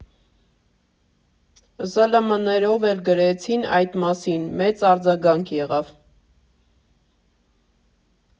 ԶԼՄ֊ներով էլ գրեցին այդ մասին, մեծ արձագանք եղավ։